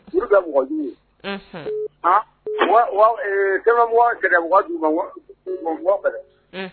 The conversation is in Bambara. Olu ka mɔgɔ jugu ye kɛmɛ wagadu fɛ